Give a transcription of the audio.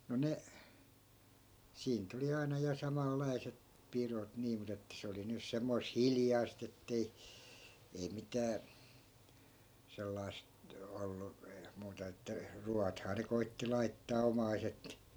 no ne siinä nyt oli aina ja samanlaiset pidot niin mutta että se oli nyt semmoista hiljaista että ei ei mitään sellaista ollut muuta että ruoathan ne koetti laittaa omaiset